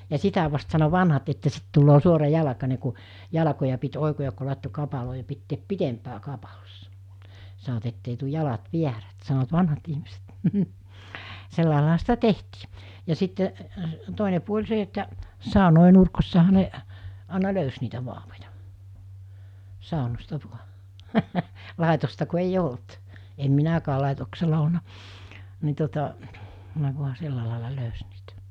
ja sitä vasten sanoi vanhat että sitten tulee suorajalkainen kun jalkoja piti oikoa kun laittoi kapaloon ja pitää pitempää kapalossa sanoivat että ei tule jalat väärät sanoivat vanhat ihmiset sellainenhan sitä tehtiin ja sitten toinen puoli se että saunojen nurkissahan ne aina löysi niitä vauvoja saunasta vain laitosta kun ei ollut en minäkään laitoksella ollut niin tuota ne vain sillä lailla löysi niitä